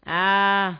A